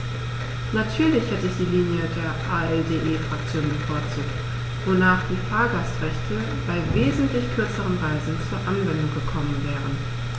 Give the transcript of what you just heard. Natürlich hätte ich die Linie der ALDE-Fraktion bevorzugt, wonach die Fahrgastrechte bei wesentlich kürzeren Reisen zur Anwendung gekommen wären.